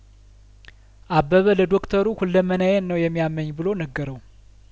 አበበ ለዶክተሩ ሁለመናዬን ነው የሚያመኝ ብሎ ነገረው